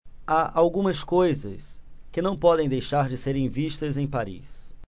há algumas coisas que não podem deixar de serem vistas em paris